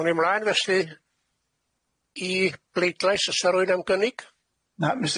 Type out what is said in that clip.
Awn ni mlaen felly i bleidlais os sa rywun am gynnig?